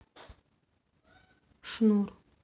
шнур